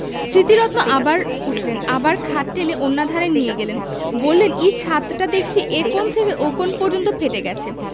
স্মৃতিরত্ন আবার উঠলেন আবার খাট টেনে অন্যধারে নিয়ে গেলেন বললেন ইঃ ছাতটা দেখচি এ কোণ থেকে ও কোণ পর্যন্ত ফেটে গেছে